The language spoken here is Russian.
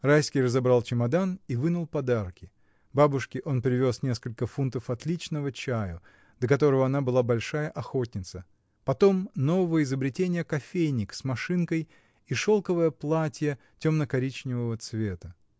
Райский разобрал чемодан и вынул подарки: бабушке он привез несколько фунтов отличного чаю, до которого она была большая охотница, потом нового изобретения кофейник с машинкой и шелковое платье темно-коричневого цвета.